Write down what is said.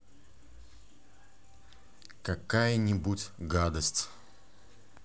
какая нибудь